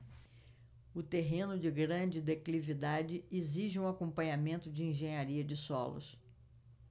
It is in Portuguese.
o terreno de grande declividade exige um acompanhamento de engenharia de solos